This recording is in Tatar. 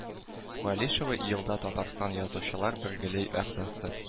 Вәлишева елдан татарстан язучылар бергели әгъзасы